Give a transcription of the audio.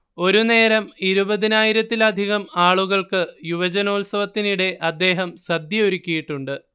ഒരുനേരം ഇരുപതിനായിരത്തിലധികം ആളുകൾക്ക് യുവജനോത്സവത്തിനിടെ അദ്ദേഹം സദ്യയൊരുക്കിയിട്ടുണ്ട്